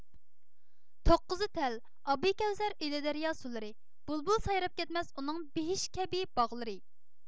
توققۇزى تەل ئابى كەۋسەر ئىلى دەريا سۇلىرى بۇلبۇل سايراپ كەتمەس ئۇنىڭ بېھىش كەبى باغلىرى